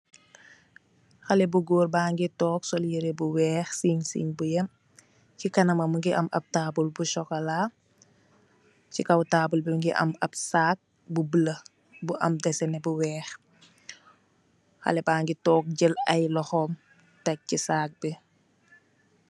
Haleh bu goor bage tonke sol yere bu weex sein sein bu yem se kanamam muge am ab taabul bu sukola se kaw taabul be muge am ab sagg bu bulo bu am desene bu weex xaleh bage tonke jel aye loxom tek se sagg be.